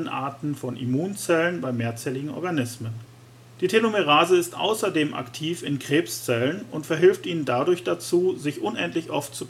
Arten von Immunzellen bei mehrzelligen Organismen. Die Telomerase ist außerdem aktiv in Krebszellen und verhilft ihnen dadurch dazu, sich unendlich oft